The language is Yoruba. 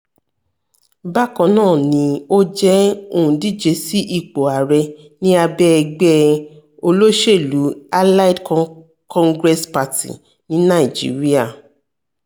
Bákan náà ni ó jẹ́ òǹdíje sí ipò ààrẹ ní abẹ́ ẹgbẹ́ olóṣèlú Allied Congress Party ti Nàìjíríà.